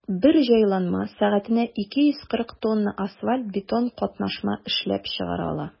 Бер җайланма сәгатенә 240 тонна асфальт–бетон катнашма эшләп чыгара ала.